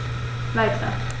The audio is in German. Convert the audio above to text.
Weiter.